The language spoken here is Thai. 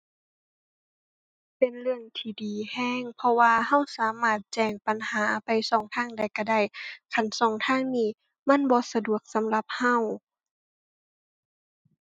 เป็นเรื่องที่ดีแรง เพราะว่าแรงสามารถแจ้งปัญหาไปแรงทางใดแรงได้ คันแรงทางนี้มันบ่สะดวกสำหรับแรง